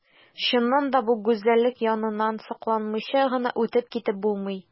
Чыннан да бу гүзәллек яныннан сокланмыйча гына үтеп китеп булмый.